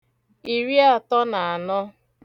ìriatọ nà ànọ